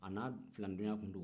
a n'a filani tɔɲɔgɔn tun do